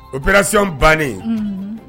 O bɛsiɔn bannen